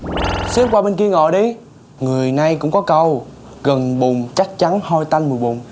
xích qua bên kia ngồi đi người nay cũng có câu gần bùn chắc chắn hôi tanh mùi bùn